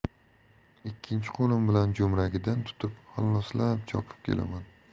ikkinchi qo'lim bilan jo'mragidan tutib halloslab chopib kelaman